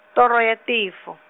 toro ya tefo.